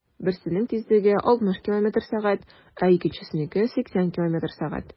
Берсенең тизлеге 60 км/сәг, ә икенчесенеке - 80 км/сәг.